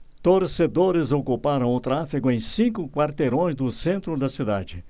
torcedores ocuparam o tráfego em cinco quarteirões do centro da cidade